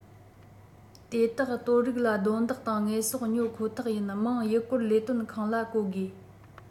དེ དག དོར རིགས ལ རྡུང རྡེག དང དངོས ཟོག ཉོ ཁོ ཐག ཡིན མང ཡུལ སྐོར ལས དོན ཁང ལ གོ དགོས